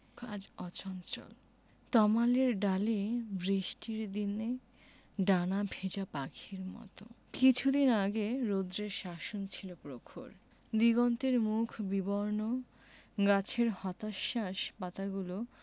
আজ অচঞ্চল তমালের ডালে বৃষ্টির দিনে ডানা ভেজা পাখির মত কিছুদিন আগে রৌদ্রের শাসন ছিল প্রখর দিগন্তের মুখ বিবর্ণ গাছের হতাশ্বাস পাতাগুলো